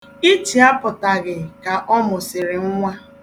Ichi apụtaghị ka ọ mụsịrị nwa